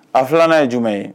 A filanan' ye jumɛn ye